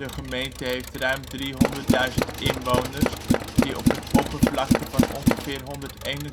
gemeente heeft ruim driehonderdduizend inwoners die op een oppervlakte van ongeveer 121